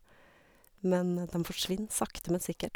Men dem forsvinner, sakte men sikkert.